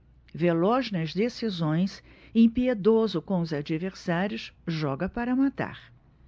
veloz nas decisões impiedoso com os adversários joga para matar